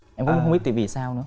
em cũng không biết tại vì sao nữa